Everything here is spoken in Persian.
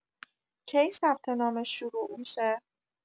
کی ثبت نامش شروع می‌شه؟